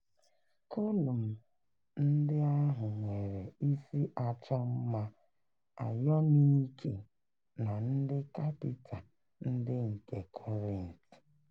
Kolọm ndị ahụ nwere isi achọmma ayọniiki na ndị kapịta nke ndị Corinth.